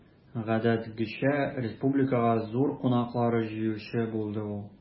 Гадәттәгечә, республикага зур кунаклар җыючы булды ул.